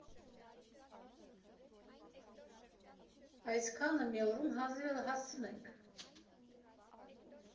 Այսքանը մի օրում հազիվ էլ հասցնենք։